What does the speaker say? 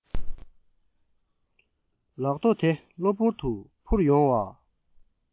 ལག རྡོ དེ གློ བུར དུ འཕུར ཡོང བ